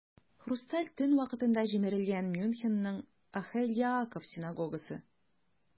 "хрусталь төн" вакытында җимерелгән мюнхенның "охель яаков" синагогасы.